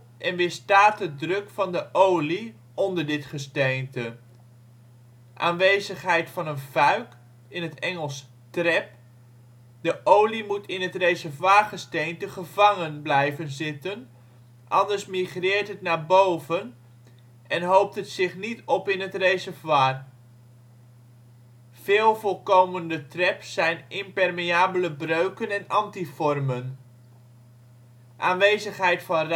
en weerstaat de druk van de olie onder dit gesteente. Aanwezigheid van een " fuik " (Engels: trap). De olie moet in het reservoirgesteente " gevangen " blijven zitten, anders migreert het naar boven en hoopt het zich niet op in het reservoir. Veel voorkomende traps zijn impermeabele breuken en antiformen. Aanwezigheid van